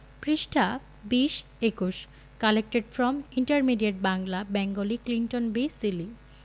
পৃষ্ঠা ২০ ২১ collected from intermediate Bangla Bengali Clinton B Seely